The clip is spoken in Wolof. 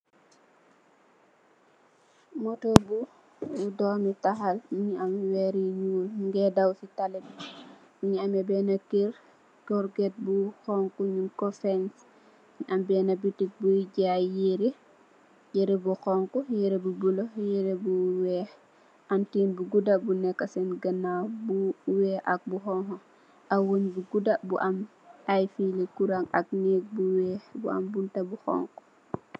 Motor bu doome tahal muge am werr yu nuul muge daw se talih be muge ameh bena kerr corget bu xonxo mugku fence bu am bena betik buye jaye yere yere bu xonxo yere bu bulo yere bu weex antin bu gouda bu neka sen ganaw bu weex ak bu xonxo ak weah bu gouda bu am ay fele curang ak neek bu weex bu am bunta bu xonxo.